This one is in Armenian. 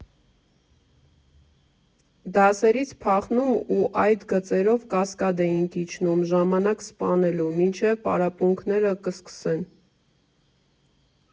Դասերից փախնում ու այդ գծերով Կասկադ էինք իջնում՝ ժամանակ սպանելու, մինչև պարապմունքները կսկսեն։